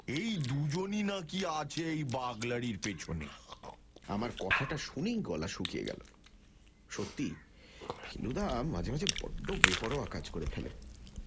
এই দুজনেই নাকি আছে এই বার্গলারির পেছনে আমার কথাটা শুনেই গলা শুকিয়ে গেল সত্যি ফেলুদা মাঝে মাঝে বড্ড বেপরোয়া কাজ করে ফেলে